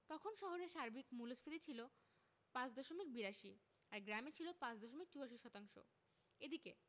তখন শহরে সার্বিক মূল্যস্ফীতি ছিল ৫ দশমিক ৮২ আর গ্রামে ছিল ৫ দশমিক ৮৪ শতাংশ এদিকে